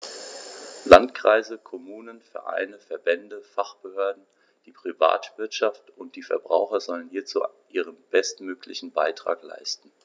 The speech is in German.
Landkreise, Kommunen, Vereine, Verbände, Fachbehörden, die Privatwirtschaft und die Verbraucher sollen hierzu ihren bestmöglichen Beitrag leisten.